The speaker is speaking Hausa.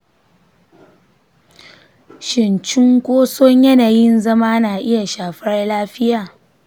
shin cunkoson yanayin zama na iya shafar lafiya?